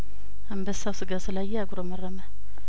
አንበሳው ስጋ ስላየአጉረመረመ